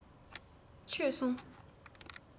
མཆོད སོང